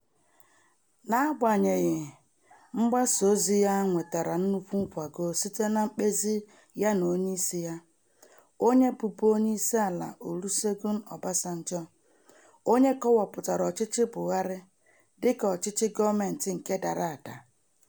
Na-agbanyeghị, mgbasa ozi ya nwetere nnukwu nkwago site na mkpezi ya na onyeisi ya, onye bụbu Onyeisi Ala Olusegun Obasanjo — onye kọwapụtara ọchịchị Buhari dịka ọchịchị gọọmentị nke dara ada.